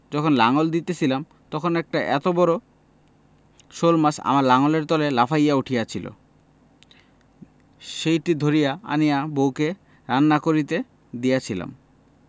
যখন লাঙল দিতেছিলাম তখন একটি এত বড় শোলমাছ আমার লাঙলের তলে লাফাইয়া উঠিয়াছিল সেইটি ধরিয়া আনিয়া বউকে রান্না করিতে দিয়াছিলাম